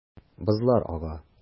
Бозлар ага.